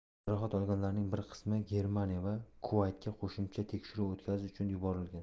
jarohat olganlarning bir qismi germaniya va kuvaytga qo'shimcha tekshiruv o'tkazish uchun yuborilgan